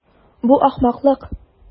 Бу ахмаклык.